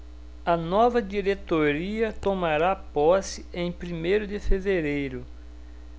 a nova diretoria tomará posse em primeiro de fevereiro